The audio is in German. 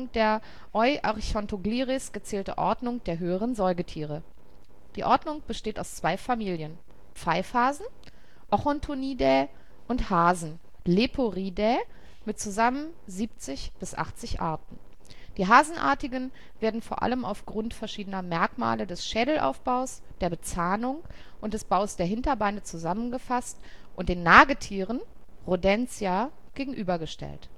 der Euarchontoglires gezählte Ordnung der höheren Säugetiere. Die Ordnung besteht aus zwei Familien (Pfeifhasen (Ochotonidae) und Hasen (Leporidae)) mit zusammen 70 bis 80 Arten. Die Hasenartigen werden vor allem aufgrund verschiedener Merkmale des Schädelaufbaus, der Bezahnung und des Baus der Hinterbeine zusammengefasst und den Nagetieren (Rodentia) gegenübergestellt